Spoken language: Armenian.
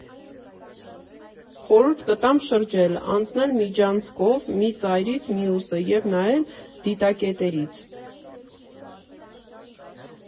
Խորհուրդ կտամ շրջել, անցնել միջանցքով մի ծայրից մյուսը և նայել դիտակետերից.